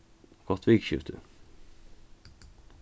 gott vikuskifti